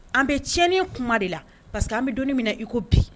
An bɛ tiɲɛni kuma de la parceri que an bɛ don min na iko bi